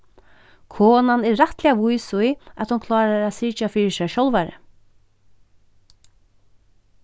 konan er rættiliga vís í at hon klárar at syrgja fyri sær sjálvari